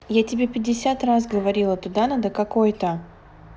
я тебе пятьдесят раз говорила туда надо какой то